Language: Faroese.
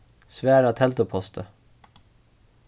svara telduposti